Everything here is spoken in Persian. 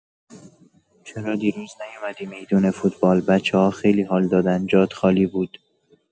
چرا دیروز نیومدی می‌دون فوتبال؟ بچه‌ها خیلی حال دادن جات خالی بود.